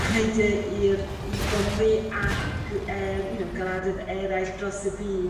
rhaid i'r i Gymru ac you know gwledydd eraill dros y byd